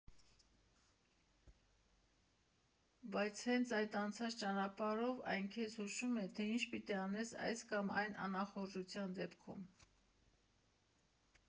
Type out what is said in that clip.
Բայց հենց այդ անցած ճանապարհով այն քեզ հուշում է, թե ինչ պիտի անես այս կամ այն անախորժության դեպքում։